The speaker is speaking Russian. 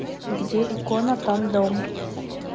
где икона там дом